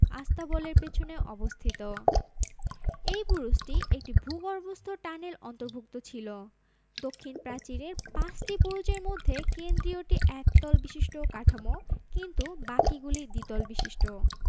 আস্তাবলের পেছনে অবস্থিত এই বুরুজটি একটি ভূগর্ভস্থ টানেল অন্তর্ভুক্ত ছিল দক্ষিণ প্রাচীরের পাঁচটি বুরুজের মধ্যে কেন্দ্রীয়টি একতল বিশিষ্ট কাঠামো কিন্তু বাকিগুলি দ্বিতল বিশিষ্ট